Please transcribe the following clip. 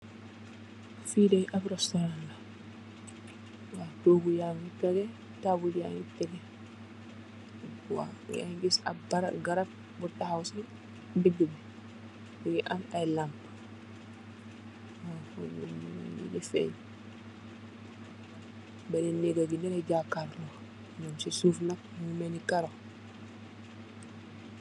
Fii de ab restooran la taabul yaa ngi tegge, waaw, yaa ngi gis ay garab bu taxaw si diggë bi, mu ngi am ay laapu,